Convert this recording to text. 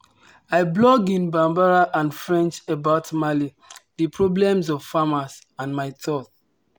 I blog in Bambara and French about Mali, the problems of farmers, and my thoughts.